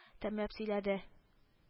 Тәмләп сөйләде